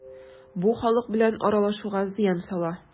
Бу халык белән аралашуга зыян сала.